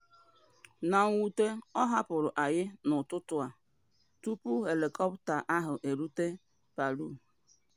Na mwute ọ hapụrụ anyị n’ụtụtụ a tupu helikọpta ahụ erute Palu.